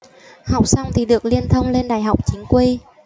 học xong thì được liên thông lên đại học chính quy